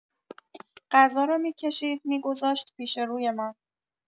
غذا را می‌کشید، می‌گذاشت پیش روی‌مان.